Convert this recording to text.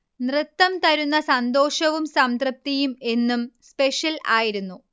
നൃത്തം തരുന്ന സന്തോഷവും സംതൃപ്തിയും എന്നും സ്പെഷൽ ആയിരുന്നു